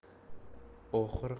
oxiri qala ichidagilar ham